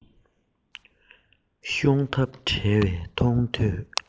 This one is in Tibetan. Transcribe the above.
ཤོང ཐབས བྲལ བའི མཐོང ཐོས